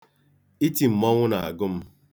Iti mmọnwụ na-agụ m.